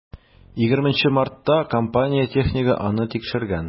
20 мартта компания технигы аны тикшергән.